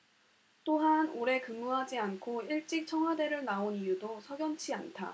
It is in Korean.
또한 오래 근무하지 않고 일찍 청와대를 나온 이유도 석연치 않다